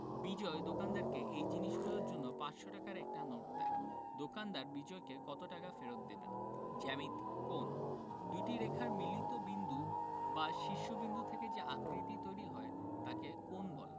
বিজয় দোকানদারকে এই জিনিসগুলোর জন্য ৫০০ টাকার একটি নোট দেয় দোকানদার বিজয়কে কত টাকা ফেরত দেবেন জ্যামিতি কোণ দুইটি রেখার মিলিত বিন্দু শীর্ষ বিন্দু থেকে যে আকৃতি তৈরি হয় তাকে কোণ বলে